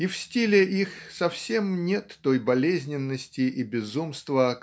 и в стиле их совсем нет той болезненности и безумства